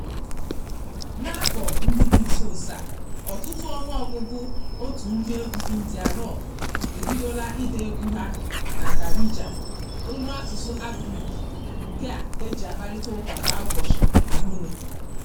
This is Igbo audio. N'afọ ndị dị nso nso a, ọtụtụ ọnụọgụgụ òtù ndịegwu indie rọk ebidola ide egwu ha na Darija, olu asụsụ Arabik nke e ji akparịtaụka kwa ụbọchị na Morocco.